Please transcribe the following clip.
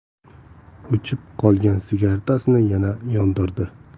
o'chib qolgan sigaretasini yana yondirdi